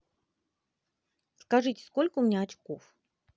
скажите сколько у меня очков